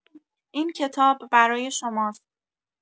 این کتاب برای شماست.